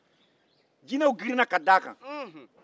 jinɛw girinna ka da a kan